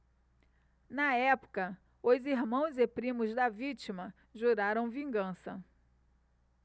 na época os irmãos e primos da vítima juraram vingança